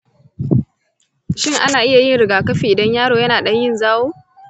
shin ana iya yin rigakafi idan yaro yana dan yin zawo ?